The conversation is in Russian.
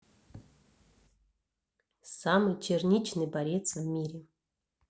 самый черничный борец в мире